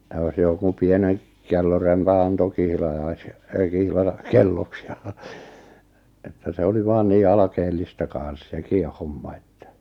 ja jos joku pienen kellorempan antoi -- kihlakelloksi ja että se oli vain niin alkeellista kanssa sekin homma että